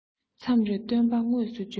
མཚམས རེར སྟོན པ དངོས སུ བྱོན པ འདྲ